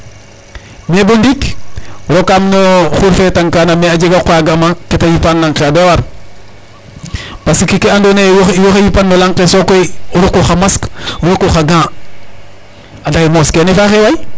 Mais bo ndiik rokaam no xuur fe tang kana mais a jega o qoya ga'ma ke ta yipa lanq ke a doya waar parce que ke andoona yee woxey yipan no lan ke sokoy o rokoox xa masque roku xa gant anda eye moos kene faaxee waay.